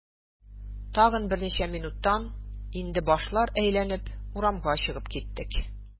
Тагын берничә минуттан инде башлар әйләнеп, урамга чыгып киттек.